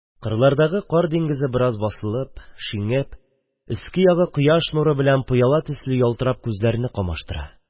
Кырлардагы кар диңгезе бераз басылып, шиңеп, өске ягы кояш нурында пыяла төсле ялтырап күзләрне камаштыра;